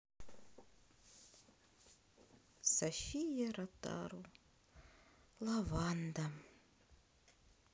софия ротару лаванда